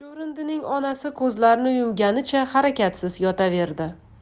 chuvrindining onasi ko'zlarini yumganicha harakatsiz yotaverdi